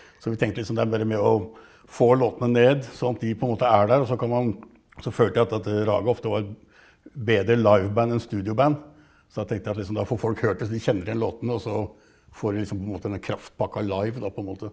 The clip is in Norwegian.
så vi tenkte liksom det er bare med å få låtene ned sånn at de på en måte er der også kan man så følte jeg alltid at Raga ofte var bedre liveband enn studioband, så da tenkte jeg at liksom da får folk hørt det, altså de kjenner igjen låtene også får de liksom på en måte denne kraftpakka live da på en måte.